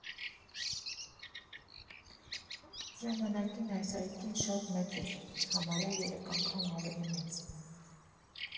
Ժամանակին էս այգին շատ մեծ էր, համարյա երեք ամգամ ավելի մեծ։